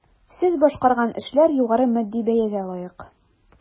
Сез башкарган эшләр югары матди бәягә лаек.